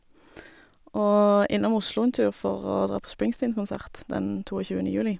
Og innom Oslo en tur for å dra på Springsteen-konsert den to og tjuende juli.